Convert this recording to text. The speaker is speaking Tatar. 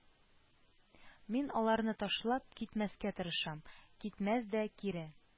Мин аларны ташлап китмәскә тырышам, китсәм дә, кире